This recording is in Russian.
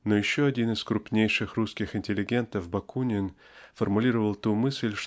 Но еще один из крупнейших русских интеллигентов Бакунин формулировал ту мысль